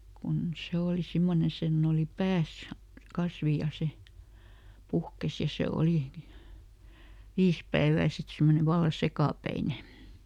kun se oli semmoinen sen oli päässä kasvi ja se puhkesi ja se oli viisi päivää sitten semmoinen vallan sekapäinen